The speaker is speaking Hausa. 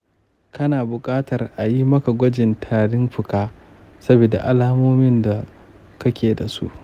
kana buƙatar a yi maka gwajin tarin fuka saboda alamomin da kake da su.